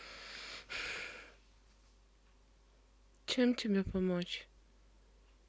чем тебе помочь